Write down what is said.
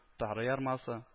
Тары ярмасы